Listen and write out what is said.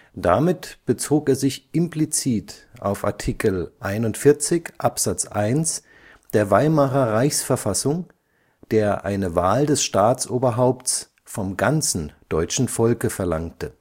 Damit bezog er sich implizit auf Artikel 41 Abs. 1 der Weimarer Reichsverfassung, der eine Wahl des Staatsoberhaupts „ vom ganzen deutschen Volke “verlangte